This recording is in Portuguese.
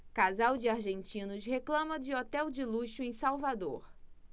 casal de argentinos reclama de hotel de luxo em salvador